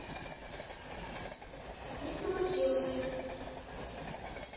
не получилось